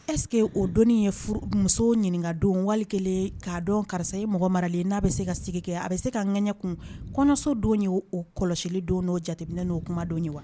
Est ce que o donni ye furu muso ɲininka don wali kelen k'a dɔn karisa ye mɔgɔ maralen n'a bɛ se ka sigi kɛ a bɛ se ka n ɲɛ kun. Kɔɲɔso don ye o kɔlɔsili don, n'o jateminɛ , n'o kuma don ye wa?